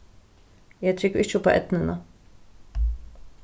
eg trúgvi ikki uppá eydnuna